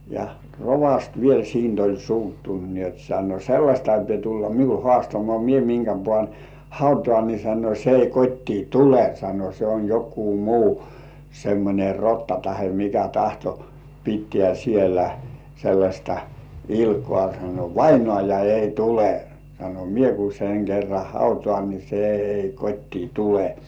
ja rovasti vielä siitä oli suuttunut niin jotta sanoi sellaista ei pidä tulla minulle haastamaan minä minkä panen hautaan niin sanoi se ei kotiin tule sanoi se on joku muu semmoinen rotta tai mikä tahto pitää siellä sellaista ilkaa sanoi vainaja ei tule sanoi minä kun sen kerran hautaan niin se ei kotiin tule